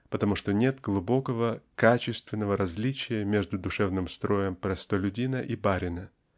потому что нет глубокого качественного различия между душевным строем простолюдина и барина